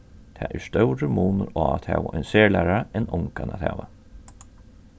tað er stórur munur á at hava ein serlærara enn ongan at hava